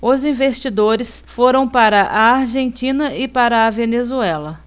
os investidores foram para a argentina e para a venezuela